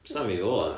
does na'm i fod